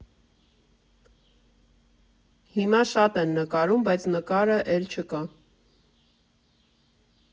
Հիմա շատ են նկարում, բայց նկարը էլ չկա։